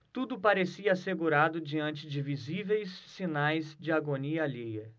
tudo parecia assegurado diante de visíveis sinais de agonia alheia